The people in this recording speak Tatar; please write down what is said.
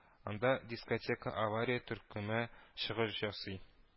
Анда "дискотека авария” төркеме чыгыш ясый